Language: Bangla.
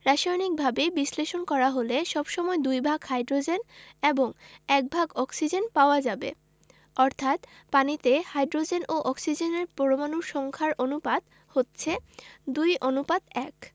রাসায়নিকভাবে বিশ্লেষণ করা হলে সব সময় দুই ভাগ হাইড্রোজেন এবং এক ভাগ অক্সিজেন পাওয়া যাবে অর্থাৎ পানিতে হাইড্রোজেন ও অক্সিজেনের পরমাণুর সংখ্যার অনুপাত হচ্ছে ২ অনুপাত ১